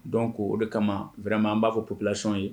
Dɔn ko o de kama wɛrɛ an b'a fɔ ppilacɔn ye